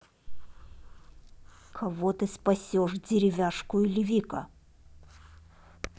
кого ты спасешь деревяшку или vika